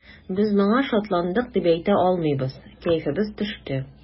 Без моңа шатландык дип әйтә алмыйбыз, кәефебез төште.